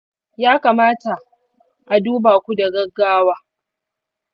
ya kamata a duba ku da gaggawa